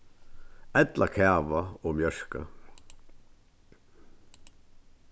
ella kava og mjørka